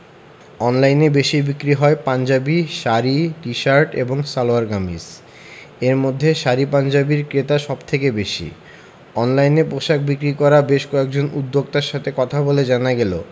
অনলাইনে বেশি বিক্রি হয় পাঞ্জাবি শাড়ি টি শার্ট এবং সালোয়ার কামিজ এর মধ্যে শাড়ি পাঞ্জাবির ক্রেতা সব থেকে বেশি অনলাইনে পোশাক বিক্রি করা বেশ কয়েকজন উদ্যোক্তার সঙ্গে কথা বলে জানা গেল